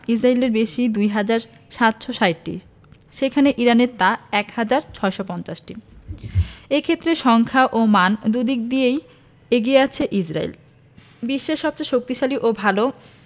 ইসরায়েলের বেশি ২ হাজার ৭৬০টি সেখানে ইরানের তা ১ হাজার ৬৫০টি এ ক্ষেত্রে সংখ্যা ও মান দুদিক দিয়েই এগিয়ে আছে ইসরায়েল বিশ্বের সবচেয়ে শক্তিশালী ও ভালো